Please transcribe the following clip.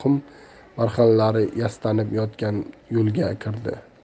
qum barxanlari yastanib yotgan yo'lga kirdi